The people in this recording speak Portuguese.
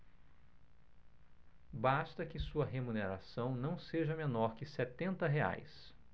basta que sua remuneração não seja menor que setenta reais